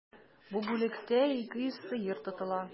Бу бүлектә 200 сыер тотыла.